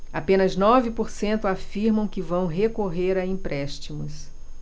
apenas nove por cento afirmam que vão recorrer a empréstimos